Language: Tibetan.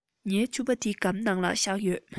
ངའི ཕྱུ པ སྒམ ནང ལ བཞག ཡོད